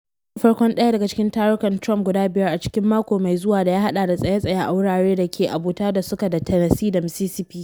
“Shi ne farkon daya daga cikin tarukan Trump guda biyar a cikin mako mai zuwa da ya hada da tsaye-tsaye a wuraren da ke abota da suka da Tennessee da Mississippi.